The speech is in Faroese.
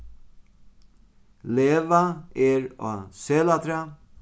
lega er á selatrað